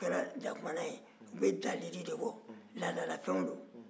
o kɛra dakumana ye u bɛ dalilu de bɔ laadalafɛnw don